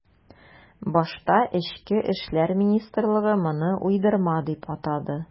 Башта эчке эшләр министрлыгы моны уйдырма дип атады.